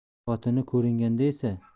xotini ko'ringanda esa